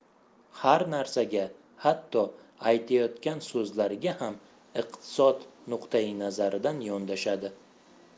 har narsaga hatto aytayotgan so'zlariga ham iqtisod nuqtai nazaridan yondoshadi